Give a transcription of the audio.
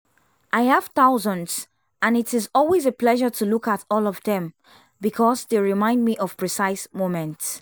I have thousands and it is always a pleasure to look at all of them, because they remind me of precise moments.